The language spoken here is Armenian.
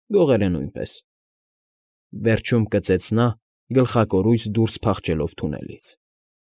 Գողերը՝ նույնպես,֊ վերջում կծեց նա՝ գլխակորույս դուրս փախչելով թունելից։